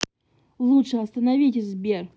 лучше остановить сбер